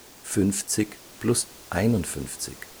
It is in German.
50 + 51